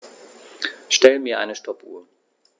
Stell mir eine Stoppuhr.